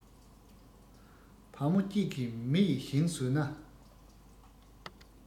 བ མོ གཅིག གིས མི ཡི ཞིང ཟོས ན